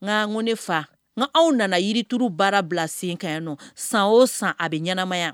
Nka ko ne fa nka aw nana yiriuru baara bila sen ka nɔ san o san a bɛ ɲɛnamaya